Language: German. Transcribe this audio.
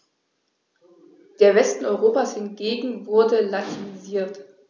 Der Westen Europas hingegen wurde latinisiert.